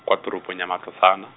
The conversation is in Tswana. kwa toropong ya Matlosana.